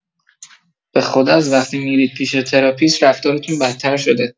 به‌خدا از وقتی می‌رید پیش تراپیست، رفتارتون بدتر شده!